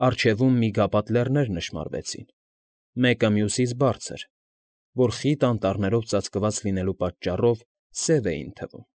Առջևում միգապատ լեռներ նշմարվեցին, մեկը մյուսից բարձր, որ խիտ անտառներով ծածկված լինելու պատճառով սև էին թվում։